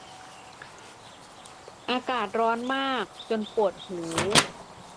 อากาศร้อนมากจนปวดหู